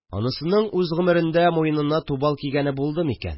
Анысының үз гомерендә муенына тубал кигәне булдымы икән